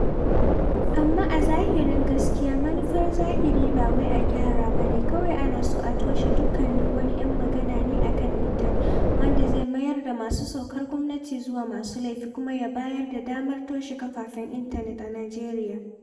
Amma a zahirin gaskiya manufar zahiri ba wai a gyara ba ne, kawai ana so a toshe dukkanin wani 'yan magana ne a kan intanet, wanda zai mayar da masu sukar gwamnati zuwa masu laifi kuma ya bayar da damar toshe kafafen intanet a Najeriya.